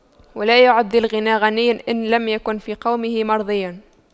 ولا يعد ذو الغنى غنيا إن لم يكن في قومه مرضيا